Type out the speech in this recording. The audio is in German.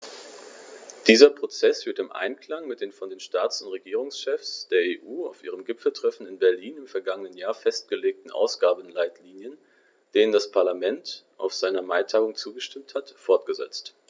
Dieser Prozess wird im Einklang mit den von den Staats- und Regierungschefs der EU auf ihrem Gipfeltreffen in Berlin im vergangenen Jahr festgelegten Ausgabenleitlinien, denen das Parlament auf seiner Maitagung zugestimmt hat, fortgesetzt.